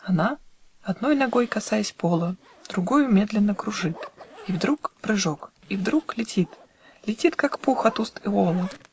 она, Одной ногой касаясь пола, Другою медленно кружит, И вдруг прыжок, и вдруг летит, Летит, как пух от уст Эола